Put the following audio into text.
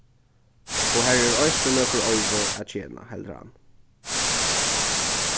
og har eru eisini nøkur oyru at tjena heldur hann